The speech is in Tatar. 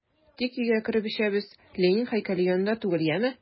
Тик өйгә кереп эчәбез, Ленин һәйкәле янында түгел, яме!